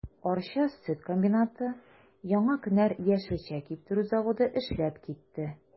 Арча сөт комбинаты, Яңа кенәр яшелчә киптерү заводы эшләп китте.